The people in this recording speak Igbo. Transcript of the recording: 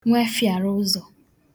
nwefị̀àràụzọ̀